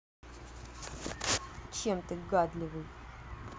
чем ты гадливый